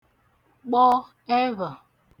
kpọ ẹvhà